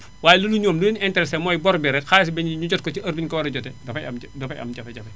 waaye ludul ñoom lu leen intéressé mooy bor bi rekk xaalis ba ñu ñu jot ko ca heure ba ñu ko war a jotee dafay am ja dafay am jafe-jafe